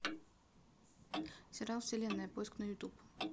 сериал вселенная поиск на ютюб